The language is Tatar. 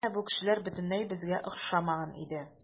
Әмма бу кешеләр бөтенләй безгә охшамаган иде.